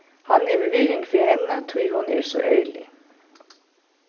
hann hevur virðing fyri henni tí hon er so ærlig